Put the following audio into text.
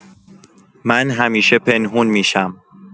من همیشه پنهون می‌شم.